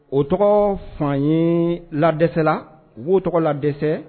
O tɔgɔ fan ye ladɛsɛla u bo tɔgɔ la dɛsɛ